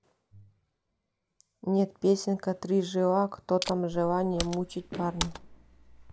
нет песенка три жила кто там желание мучить парня